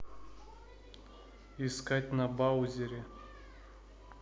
искать на баузере